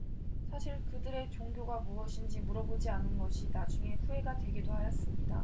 사실 그들의 종교가 무엇인지 물어보지 않은 것이 나중에 후회가 되기도 하였습니다